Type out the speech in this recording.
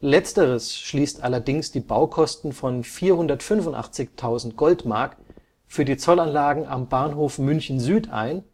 Letzteres schließt allerdings die Baukosten von 485.000 Goldmark für die Zollanlagen am Bahnhof München Süd ein,